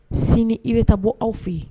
Sini, i bɛ taa bɔ aw fɛ yen